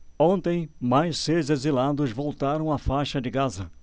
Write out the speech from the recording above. ontem mais seis exilados voltaram à faixa de gaza